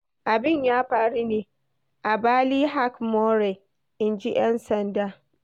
Abin ya faru ne a Ballyhackamore, inji 'yan sanda.